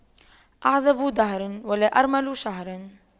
أعزب دهر ولا أرمل شهر